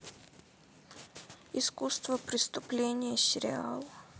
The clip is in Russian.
искусство преступления сериал